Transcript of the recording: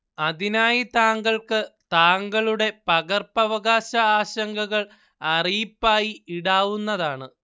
അതിനായി താങ്കൾക്ക് താങ്കളുടെ പകർപ്പവകാശ ആശങ്കകൾ അറിയിപ്പായി ഇടാവുന്നതാണ്